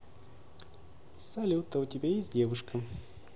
салют а у тебя есть девушка